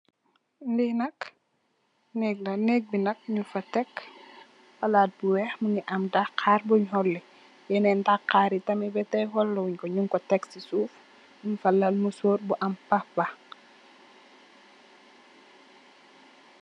Li nak nèk la, nek bi nak ñing fa tek palat bu wèèx mugii am daxaar bu buñ xoli, yenen daxaar yi nak tamid be tey xolu wuñ ko ñing ko tèk ci suuf, ñing fa lal moser bu am paxpax.